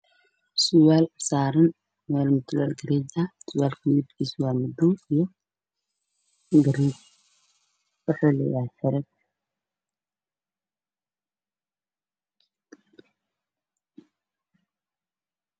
Surwaal saaran meel mutuleel ah surwaalka midabkiisu waa madow iyo cadaan